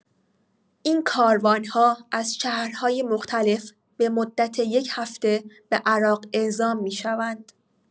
این کاروان‌ها از شهرهای مختلف به مدت یک هفته به عراق اعزام می‌شوند.